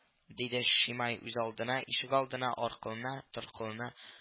– диде шимай үзалдына, ишегалдында аркылына-торкылына